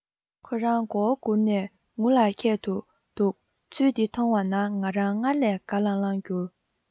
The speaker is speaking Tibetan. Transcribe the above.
ཁོ རང མགོ བོ སྒུར ནས ངུ ལ ཁད དུ འདུག ཚུལ འདི མཐོང བ ན ང རང སྔར ལས དགའ ལྷང ལྷང གྱུར